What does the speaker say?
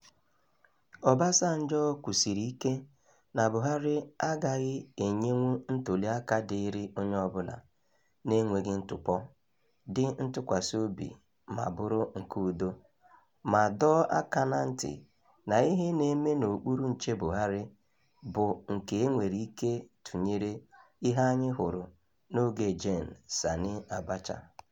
Obasanjo kwusiri ike na Buhari agaghị enyenwu "ntụliaka dịịrị onye ọbụla, na-enweghị ntụpọ, dị ntụkwasị obi ma bụrụ nke udo" ma dọọ aka na ntị na ihe "na-eme n'okpuru nche Buhari bụ nke e nwere ike tụnyere ihe anyị hụrụ n'oge Gen. Sani Abacha.